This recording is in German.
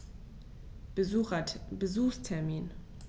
Besuchstermin